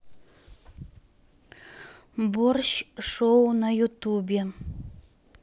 борщ шоу на ютюбе